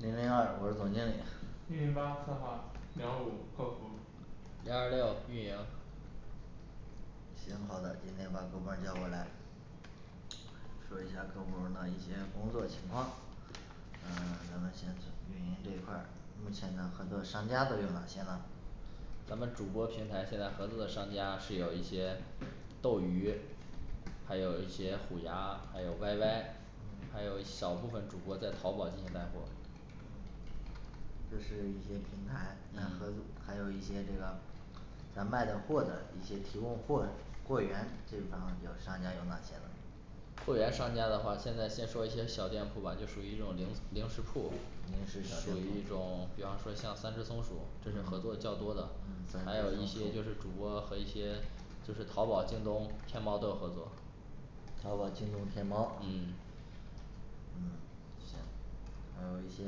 零零二我是总经理一零八策划零幺五客服零二六运营行好的今天把各部门儿叫过来说一下各部门儿的一些工作情况嗯咱们先运营这一块儿目前咱合作的商家都有哪些呢咱们主播平台现在合作的商家是有一些斗鱼还有一些虎牙还有Y Y还有一小部分主播在淘宝进行带货这是一些平台跟咱合嗯作还有一些这个咱卖的货的一些提供货货源这一方面有商家有哪些呢货源商家的话现在先说一些小店铺吧就属于一种零零食铺是零属食于一种比方说像三只松鼠这是合作嗯较多的还有一些就是主播和一些就是淘宝京东天猫都有合作淘宝京东天猫嗯嗯行还有一些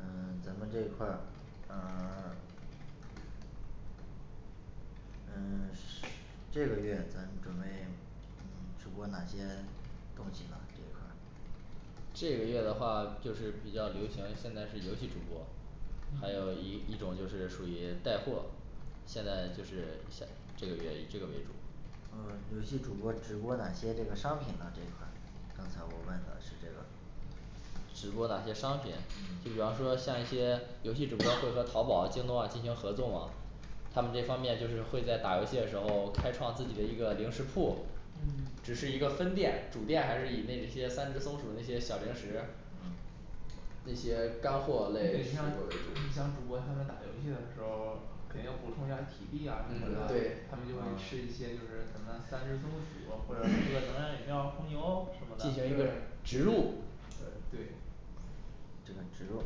嗯 咱们这一块儿嗯 嗯是这个月咱准备直播哪些东西呢这块儿这个月的话就是比较流行现在是游戏主播&嗯&还有一一种就是属于带货现在就是想这个月以这个为主嗯游戏主播直播哪些这个商品呢这一块儿刚才我问的是这个直播哪些商品就比嗯方说像一些游戏主播会和淘宝啊京东啊进行合作吗他们这方面就是会在打游戏的时候开创自己的一个零食铺嗯只是一个分店主店还是以那一些三只松鼠的一些小零食嗯这些干货对类你像你像主播他们打游戏的时候肯定要补充一下体力啊什嗯么的对他们就会吃一些就是什么三只松鼠，或者喝个能量饮料红牛什么的进行对一个植入对嗯这个植入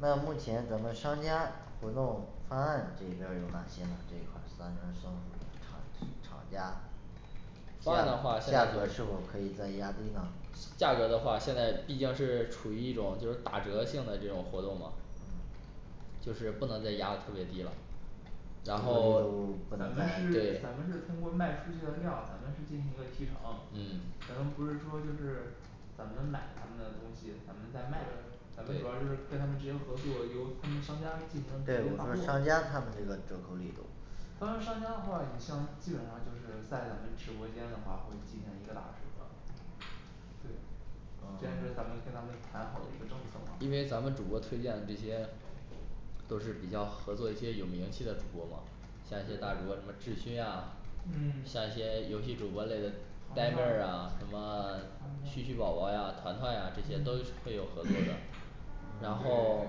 那目前咱们商家活动方案这边有哪些呢这一块儿刚才说厂厂家方案的话价现在价格是否可以再压低呢价格的话现在毕竟是处于一种就是打折性的这种活动嘛就是不能再压特别低了然后 对咱们是咱们是通过卖出去的量咱们是进行一个提成嗯咱们不是说就是咱们买他们的东西咱们再卖对咱们主要就是跟对他们直接合作由他们商家进行直对接发有商货家他们这个折扣力度当是商家的话你像基本上就是在咱们直播间的话会进行一个打折对既然是咱们跟他们谈好的一个政策嘛因为咱们主播推荐的这些都是比较合作一些有名气的主播嘛像一些大主播什么智勋啊嗯像一些游戏主播 类的呆团妹团儿啊啊什么团旭旭团宝宝啊团团啊这些都会有嗯 合作的对然后对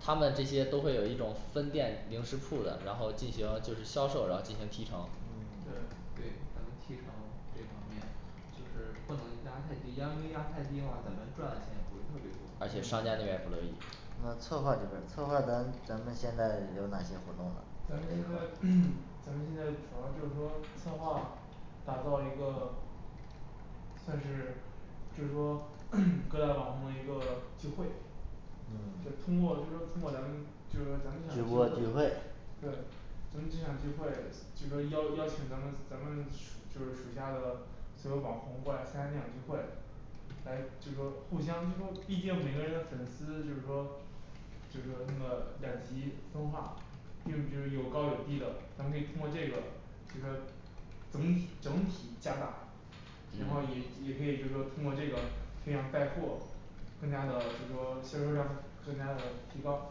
他们这些都会有一种分店零食铺的然后进行就是销售然后进行提成对对怎么提成这方面就是不能压太低压太低的话咱们赚的钱也不会特别多而且商家那儿也不乐意那策划这边策划咱咱们现在有哪些活动呢咱们现在 咱们现在主要就是说策划打造一个算是就是说 各大网红的一个聚会这嗯通过就是说通过咱们就是咱们想聚会对咱们这场聚会就是说邀邀请咱们咱们就是属下的所有网红过来参加这场聚会来就是说互相就是说毕竟每个人的粉丝就是说就是说那个两极分化就就是有高有低的咱们可以通过这个就是说整整体加大然后也嗯也可以就是说通过这个这样带货更加的就是说销售量更加的提高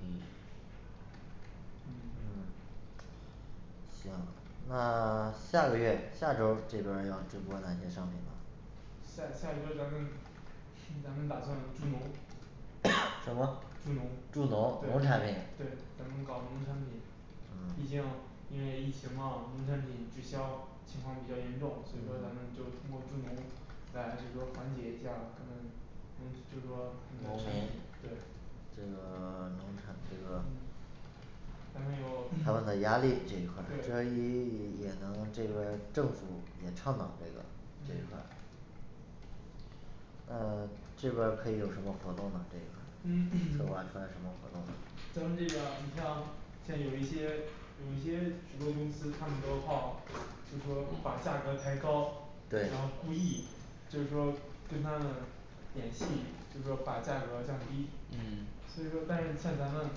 嗯嗯嗯行那 下个月下周儿这边儿要直播哪些商品呢下下一周咱们 咱们打算助农 什么助农助农农产对品对咱们搞农产品毕竟嗯因为疫情吗农产品滞销情况比较严重所以说咱们嗯就通过助农来就是说缓解一下看看嗯就是说嗯农产品民对这个 农产这个嗯咱们他有们 的对嗯压力这一块儿由对于也也能这边儿政府也倡导这个这块儿嗯 这边儿可以有什么活动呢这个策划出来什么活动呢嗯 咱们这边儿你像现有一些有一些直播公司他们都好就是说把价格抬高然后对故意就是说跟他们演戏就是说把价格降低嗯所以说但是像咱们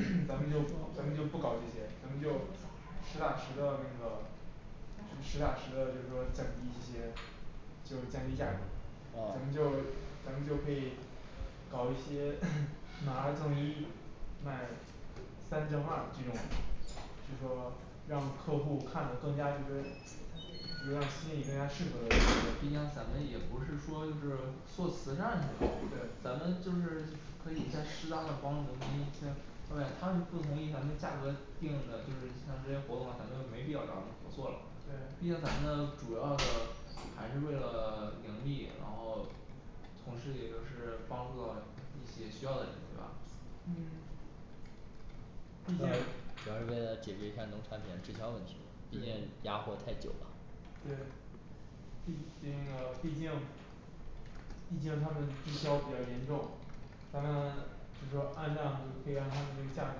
咱们就咱们就不搞这些咱们就实打实的那个就实打实的就是说降低一些就是降低价格咱们嗯就咱们就可以搞一些 买二赠一买三赠二这种就说让客户看得更加就跟就是让心理更加适合的人毕竟咱们也不是说就是做慈善去了是咱们就是可以再适当的帮农民一些 O K他们不同意咱们价格定的就是像这些活动啊咱们没必要找他们合作了毕竟咱们的对主要的还是为了 盈利然后同时也就是帮助到一些需要的人对吧嗯 毕竟对主要是为了解决一下儿农产品的滞销问题毕竟对压货太久了对毕那个毕竟毕竟他们滞销比较严重咱们 就是说按量就可以让他们这个价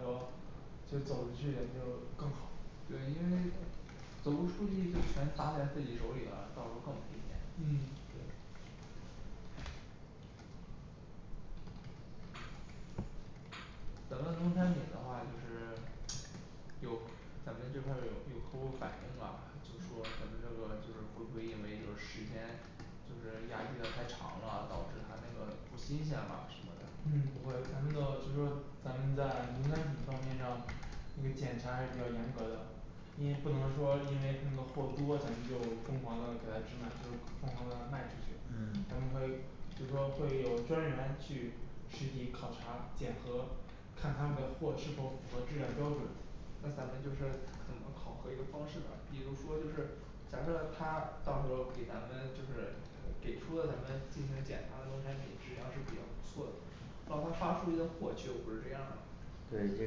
格就走出去也就更好对因为 走不出去就全砸在自己手里了到时候更赔钱嗯对咱们农产品的话就是 有客 咱们这块儿有有客户反映了就是说咱们这个就是会不会因为这个时间就是压期的太长了导致他那个不新鲜了什么的嗯不会咱们的就是说咱们在农产品方面上这个检查还是比较严格的因为不能说因为他那个货多咱们就疯狂的给他滞卖就是疯狂的卖出去咱们嗯会就是说会有专员去实体考察检核看他们的货是否符合质量标准那咱们就是怎么考核一个方式呢比如说就是假设他到时候给咱们就是给出了咱们进行检查的农产品质量是比较不错的到时候发出去的货却又不是这样的了对这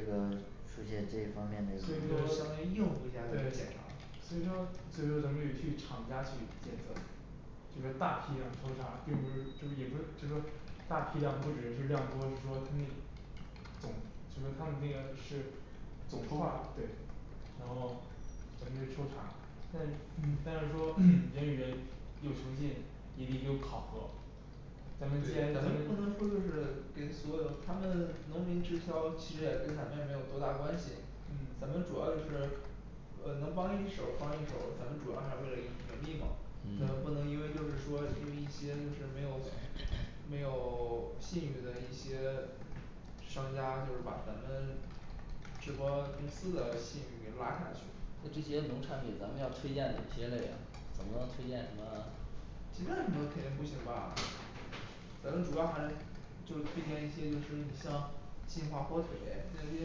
个出现这一方面的所情这况就相当以说于应付一下检查对所以说所以说咱们就得去厂家去检测就是说大批量抽查并不是就是也不就是说大批量不止是量多不多他们总就是他们那个是总串共儿对然后咱们就去抽查但但 是说 人与人有诚信也得有考核咱对们毕竟咱咱们们不能说就是跟所有他们农民滞销其实也跟咱们也没有多大关系咱嗯们主要就是嗯能帮一手儿帮一手儿咱们主要还是为了盈盈利嘛嗯不能嗯因为就是说因为一些就是没有没有 信誉的一些商家就是把咱们直播公司的信誉给拉下去就是这些农产品咱们要推荐哪些类啊总不能推荐什么 鸡蛋你都肯定不行吧咱们主要还是就是推荐一些就是你像金华火腿那些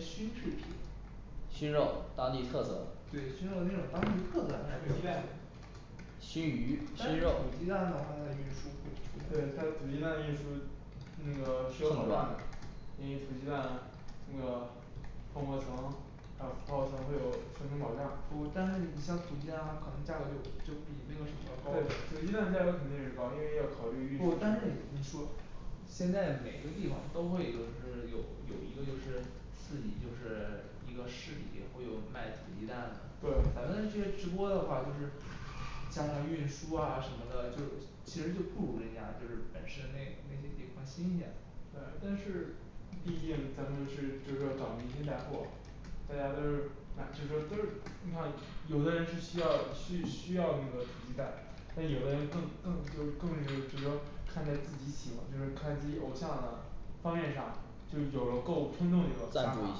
熏制品熏肉当地特色对熏肉那种当地特色土还是有鸡蛋熏鱼但熏是土肉鸡蛋的话他运输会对出他现土鸡蛋运输那个需要保障的因为土鸡蛋那个泡沫层他不好分配和申请保障不但是你像土鸡蛋他可能价格就就比那个什么高对土鸡蛋价格肯定是高因为要考虑运不输但是你你说现在每个地方都会就是有有一个就是自己就是 一个是比会有卖土鸡蛋的对咱们这些直播的话就是加上运输啊什么的就其实就不如那家就是本身那那些地方新鲜对但是毕竟咱们是就是说找明星带货大家都是买就是都是你看有的人是需要需需要那个土鸡蛋但有的人更更就是更就是说看着自己喜欢就是看自己偶像啊方面上就是有了购物冲动以后赞助一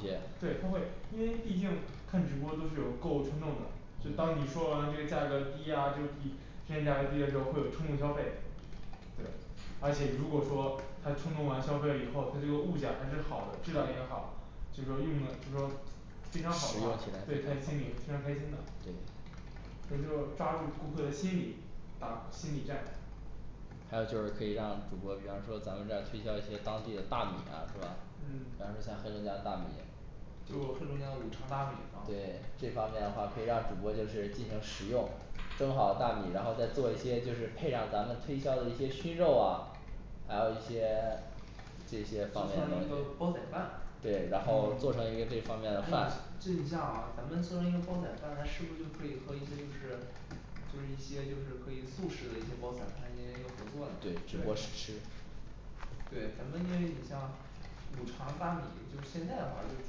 些对他会因为毕竟看直播都是有购物冲动的就当你说完这个价格低啊就是比平时价格低的时候会有冲动消费对而且如果说他冲动完消费了以后他这个物件儿还是好的质量也很好就是说用的就是说非常食好的用话起来对对他心里是非常开心的咱就抓住顾客的心理打心理战还有就是可以让主播比方说咱们这儿推销一些当地的大米啊是吧就是像黑嗯龙江大米就是黑龙江五常大米嘛对这方面的话可以让主播就是进行食用蒸好大米然后再做一些就是配上咱们推销的一些熏肉啊还有一些 这些做放在成一一个个位煲置仔饭嗯对哎然后做成一个这方面的饭你这你像啊咱们做成一个煲仔饭咱是不是就可以喝一些就是就是一些就是可以速食的一些煲仔饭进行一个合作对呢直播试吃对咱们因为你像五常大米就是现在的话就是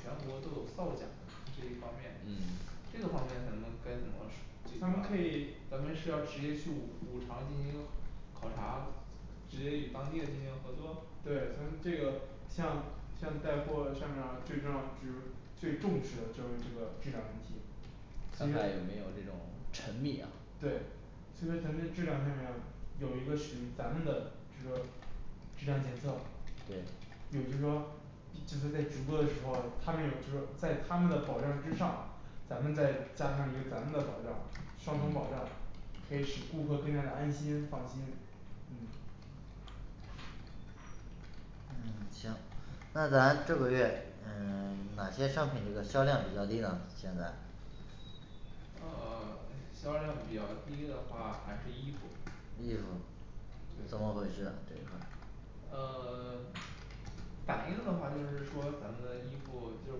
全国都有造假这一方面嗯这个方面咱们该怎么说这咱们可个以咱们是要直接去五五常进行考察直接与当地的进行合作对咱们这个像像在做项目上最重要是最重视的就是这个质量问题看看有没有这种陈米啊对就是咱们的质量上面有一个属于咱们的就是说质量检测也对就是说就是在直播的时候他们有就是在他们的保障之上咱们再加上一个咱们的保障双重保障可以使顾客更加的安心放心嗯嗯 行那咱这个月嗯 哪些商品这个销量比较低呢现在嗯 销量比较低的话还是衣服衣服&对&怎么回事这个嗯 反映的话就是说咱们的衣服就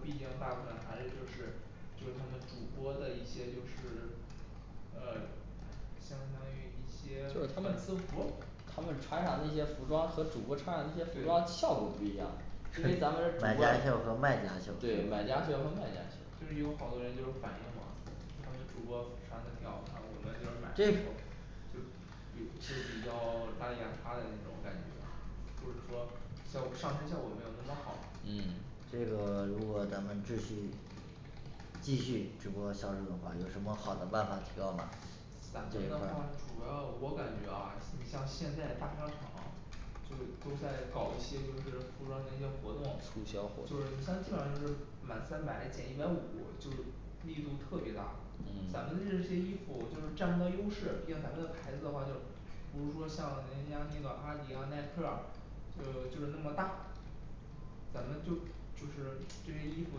毕竟大部分还是就是就是他们主播的一些就是 呃相当就于是他的字一符些他们穿上这些服装和主播穿上这些服装对效果不一样因为咱们主 播对买买家家秀秀和和卖卖家秀家秀就是也有好多人就是反应嘛他们主播穿的挺好看我们就是买这幅就比就是比较 邋里邋遢的那种感觉就是说效上身效果没有那么好嗯这个如果咱们继续继续直播销售的话有什么好的办法提高吗感觉的话主要我感觉啊你像现在大商场就都在搞一些就是服装的一些活动促销活动就是它基本上就是满三百减一百五就是力度特别大嗯咱们的这些衣服就是占不到优势毕竟咱们的牌子的话就不是说像人家那个阿迪啊耐克儿啊就就是那么大咱们就就是这些衣服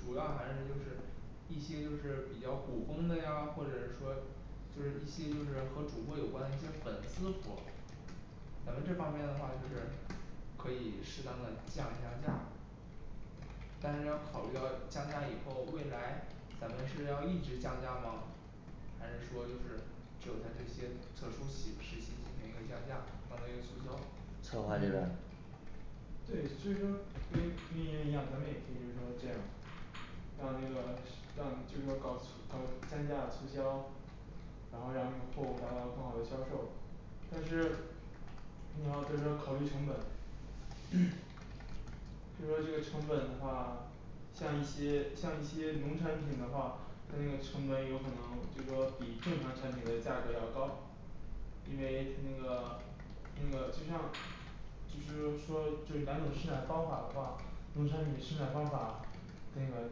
主要还是就是一些就是比较古风的呀或者是说就是一些就是和主播有关的一些粉丝服咱们这方面的话就是可以适当的降一下价但是要考虑到降价以后未来咱们是要一直降价吗还是说就是只有在这些特殊期时期进行一个降价当成一个促销策划这边儿嗯对所以说跟运营一样咱们也可以就是说这样让那个让就是搞搞降价促销然后让那个货物达到更好的销售但是你要就是说考虑成本 就是说这个成本的话像一些像一些农产品的话但那个成本有可能就是说比正常产品的价格要高因为那个那个就像就是说就是两种生产方法的话农产品生产方法这个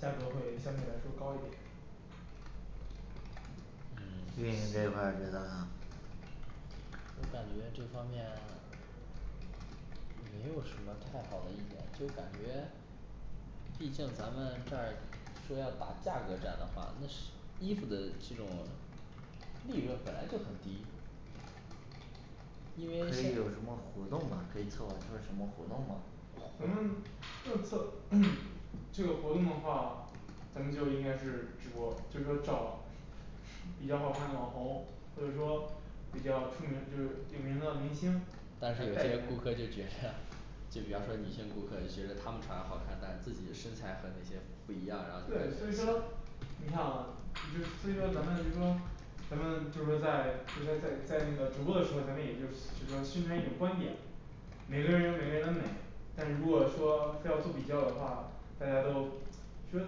价价格会相对来说高一点嗯运营这一块儿觉得呢我感觉这方面也没有什么太好的意见就是感觉毕竟咱们这儿说要打价格战的话那是衣服的这种利润本来就很低可因为以有什么活动吗可以说我们说什么活动吗嗯就是托 这个活动的话咱们就应该是直播就是说找比较好看的网红所以说比较出名就是有名的明星但是还带顾着客就觉着 就比方说女性顾客觉得他们穿的好看但是自己的身材和那些不一样然后对所以说你看啊就是所以说咱们就是说咱们就是在就是在在那个直播的时候咱们也就是就是说宣传一种观点每个人有每个人的美但是如果说非要做比较的话大家都其实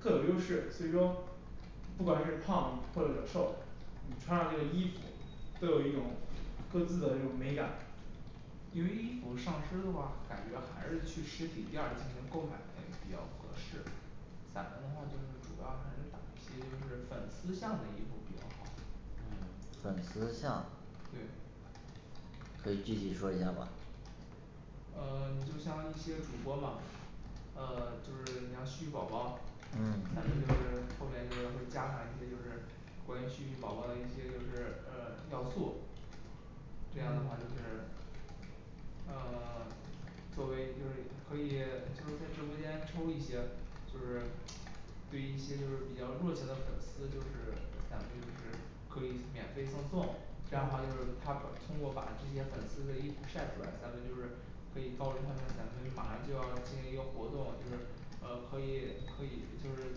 各有优势所以说不管是胖或者瘦你穿上这个衣服都有一种各自的一种美感因为衣服上身儿的话感觉还是去实体店儿进行购买比较合适咱们的话就是主要还是打一些就是粉丝向的衣服比较好嗯 粉丝向对可以具体说一下吗嗯你就像一些主播嘛嗯 就是你像旭旭宝宝嗯 咱们就嗯是后面就是会加上一些就是关于旭旭宝宝的一些就是嗯要素这样的话就嗯是嗯 作为就是可以就是在直播间抽一些就是对一些就是比较热情的粉丝就是咱们就是可以免费赠送这样的话就是他把通过把这些粉丝的衣服晒出来咱们就是可以告诉他们咱们马上就要进行一个活动就是嗯可以可以就是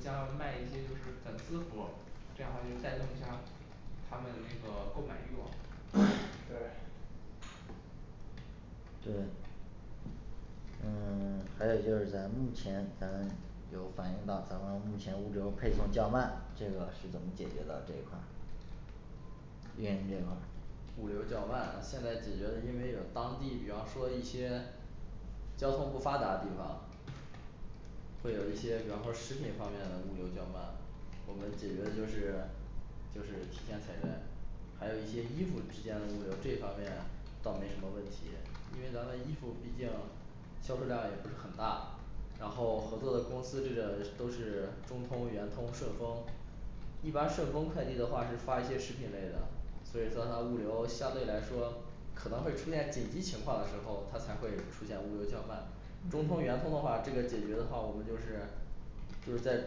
将要卖一些就是粉丝服这样的话就是带动一下儿他们这个购买欲望&& 对嗯嗯 还有就是咱目前咱有反映到咱们目前物流儿配送较慢这个是怎么解决的这一块儿运营这一块儿物流儿较慢现在解决了因为有当地比方说一些交通不发达的地方会有一些比方说食品方面的物流较慢我们解决的就是就是提前给还有一些衣服之间的物流这方面倒没什么问题因为咱们衣服毕竟销售量也不是很大然后合作的公司这个都是中通圆通顺丰一般顺丰快递的话是发一些食品类的所以说他物流相对来说可能会出现紧急情况的时候他才会出现物流较慢中通嗯圆通的话这个解决的话我们就是就是在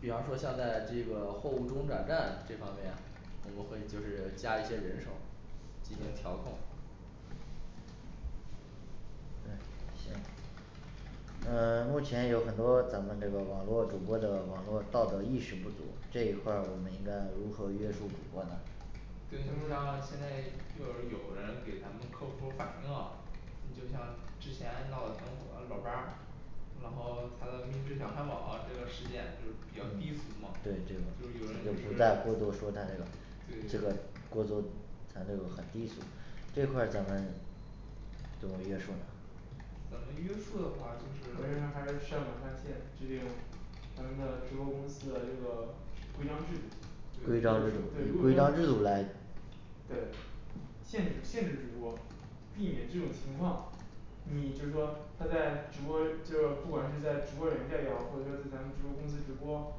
比方说像在这个货物中转站这方面我们会就是加一些人手进行调对控嗯行嗯 目前有很多咱们这个网络主播的网络道德意识不足这一块儿我们应该如何约束主播呢对你他们像现在就是有人给咱们客服反映了你就像之前闹的挺火的老八儿然后他的秘制小汉堡这个事件就是比较低俗嘛就对是这个有人就就是不是再说多说他这对个过多他这个很低俗这块儿咱们怎么约束呢怎么约束的话就我认为是还是设法上线制定咱们的直播公司的这个规章制度对对如果说对规章制度规章制度来限制限制主播避免这种情况你就是说他在直播就是不管是在直播软件也好或者说是咱们直播公司直播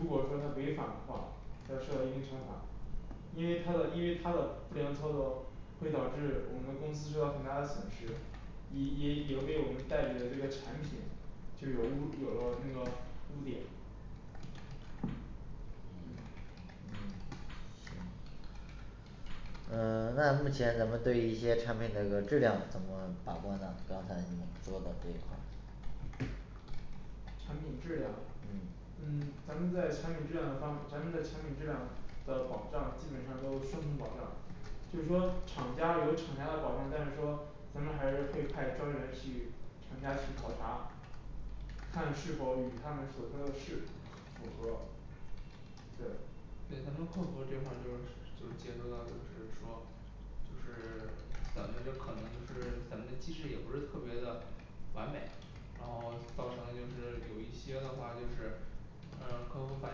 如果说他违反的话他需要一定惩罚因为它的因为它的不良操作会导致我们的公司受到很大的损失也也也为我们代理的这个产品就是有污有了那个污点嗯嗯，行嗯 那目前咱们对于一些产品的这个质量怎么把关呢刚才你们说的这块儿产品质量嗯嗯 咱们在产品质量的方咱们的产品质量的保障基本上都会生成保障就是说厂家有厂家的保障但是说咱们还是会派专人去厂家去考察看是否与他们所说的事符合对对咱们客服这块儿就是就是接触到就是说就是 咱们这可能就是咱们的机制也不是特别的完美然后造成就是有一些的话就是嗯客户反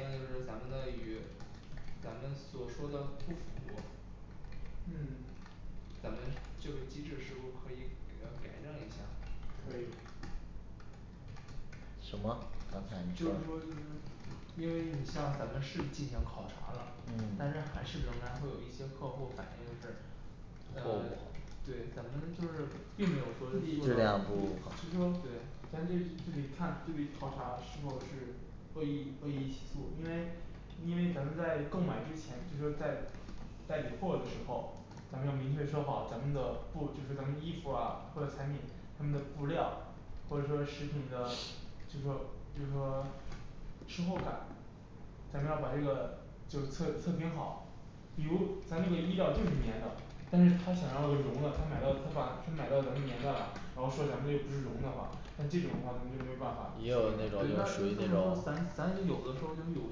映就是咱们的与咱们所说的不符嗯咱们这个机制是否可以呃改正一下可以什么刚才那就个是说什就是么因为你像咱们市进行考察了嗯但是还是仍然会有一些客户反映就是嗯对咱们就是并没有质说量不是符说对咱这就得看就得考察是否是恶意恶意起诉因为因为咱们在购买之前就说在代理货的时候咱们要明确说好咱们的不只是咱们衣服啊或者产品他们的布料或者说食品的就说就说吃后感咱们要把这个就是测测评好比如咱那个衣料就是棉的但是他想要个绒的他买到他把他买到咱们棉的了然后说咱们这不是绒的话像这种的话咱们就没有办法也有那对那那这么说种就属于那种咱咱有的时候就是有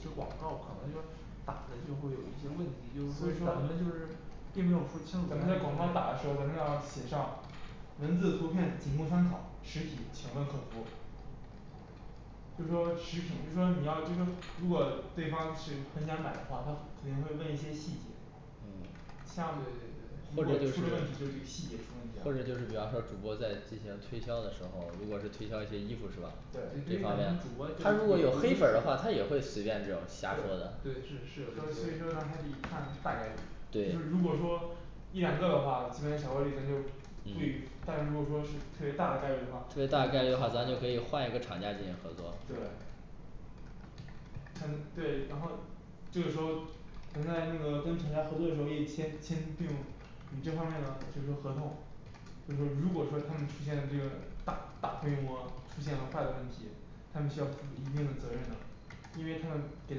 些广告可能就打的就会有一些问题就所是以说说咱咱们就是并没有说清楚们在广告打的时候咱们要写上文字图片仅供参考实体请问客服所以说食品就是说你要就说如果对方是很想买的话他肯定会问一些细节像如果或出者了问是题就是这个细节出或者问就题了是比方说主播在进行推销的时候如果是推销一些衣服是吧对于咱们主播就他如是果有黑粉儿的他也会随便这种瞎说的对对对是是有对所以这种说他还得看大概率就是如果说一两个的话这点小概率咱就不与嗯但是如果说是特别大的概率话特别大概率的话咱就可以换一个厂家进行合作对穿着对然后就是说咱在那个跟厂家合作的时候以先签订你这方面的就是说合同就是说如果说他们出现这个大大规模出现了坏的问题他们需要负一定的责任的因为他们给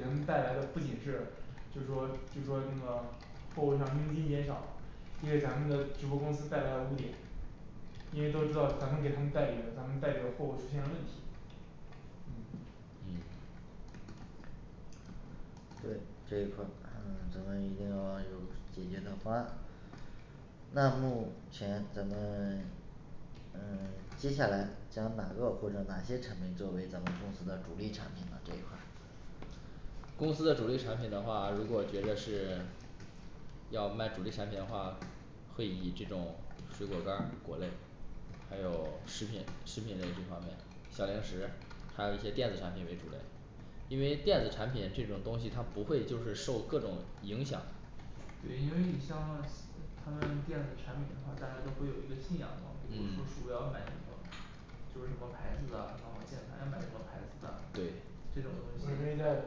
咱们带来的不仅是就是说就是说那个货物上佣金减少因为咱们的直播公司带来了污点因为都知道咱们给他们代理了咱们代理的货物出现了问题嗯嗯对这一块儿咱们一定要有解决的方案那目前咱们 嗯 接下来将哪个或者哪些产品作为咱们公司的主力产品呢这一块儿公司的主力产品的话如果觉得是要卖主力产品的话会以这种水果干儿果类还有食品食品类这方面小零食还有一些电子产品为主的因为电子产品这种东西他不会就是受各种影响对因为你像呃他们电子产品的话大家都会有一个信仰嘛比如说嗯鼠标买什么就是什么牌子的然后键盘要买什么牌子的对这种东我认为西在